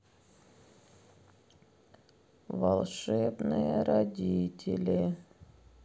волшебные родители